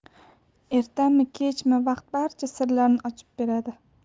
ertami kechmi vaqt barcha sirlarni ochib beradi horace